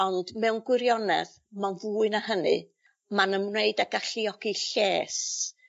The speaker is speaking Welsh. ond mewn gwirionedd ma'n fwy na hynny, ma'n ymwneud â galluogi lles